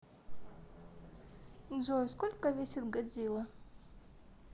джой сколько весит годзилла